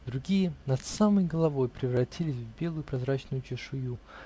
другие, над самой головой, превратились в белую прозрачную чешую